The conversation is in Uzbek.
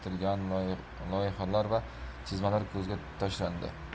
joylari yirtilgan loyihalar va chizmalar ko'zga tashlandi